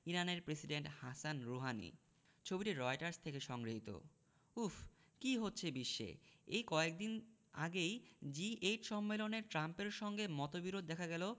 ইরানের president Hassan Rouhani ছবিটি Reuters থেকে সংগৃহীত উফ্ কী হচ্ছে বিশ্বে এই কয়েক দিন আগেই জি এইট সম্মেলনে ট্রাম্পের সঙ্গে মতবিরোধ দেখা গেল